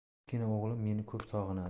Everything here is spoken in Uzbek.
kichkina o'g'lim meni ko'p sog'inadi